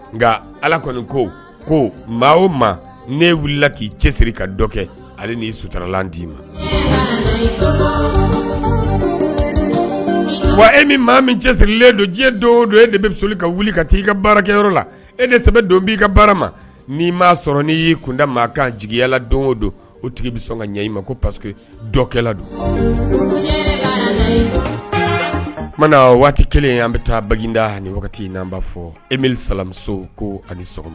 Nka ala kɔni ko ko maa o ma ne wulila k'i cɛsiri ka dɔ kɛ ale nii sutaralan d'i ma wa e min maa min cɛsirilen don diɲɛ do don e de bɛ soli ka wuli ka taa i ka baarakɛyɔrɔ la e de sɛbɛn don b'i ka baara ma n'i m'a sɔrɔ n y'i kun da maa kan jigiyala don o don o tigi bɛ sɔn ka ɲɛ i ma ko paseke dɔkɛla don o tumaumana waati kelen anan bɛ taa bada ani wagati nan b'a fɔ e mi salamuso ko ani sɔgɔma